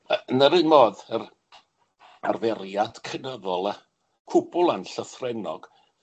Yy yn yr un modd, yr arferiad cynyddol a cwbwl anllythrennog